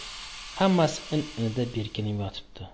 hammasi in inida berkinib yotibdi